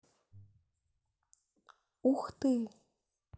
ух ты